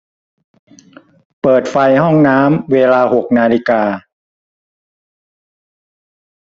เปิดไฟห้องน้ำเวลาหกนาฬิกา